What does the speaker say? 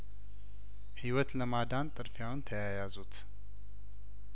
ህይወት ለማዳን ጥድፊያውን ተያያዙት